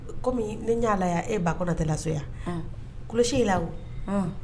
Comme ne ɲɛ y'ale e Bakɔrɔ tɛ la so yan kulusi y'ila wa